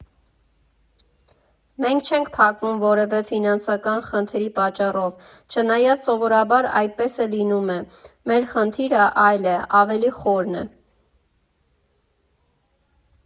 Մենք չենք փակվում որևէ ֆինանսական խնդրի պատճառով, չնայած սովորաբար այդպես է լինում, մեր խնդիրը այլ է, ավելի խորն է.